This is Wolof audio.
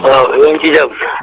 waaw yéen a ngi si jàmm